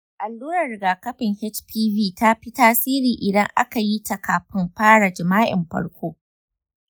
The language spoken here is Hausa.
allurar rigakafin hpv ta fi tasiri idan aka yi ta kafin fara jima'in farko.